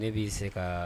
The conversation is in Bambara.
Ne b'i se ka